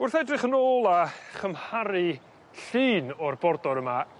Wrth edrych yn ôl a chymharu llun o'r bordor yma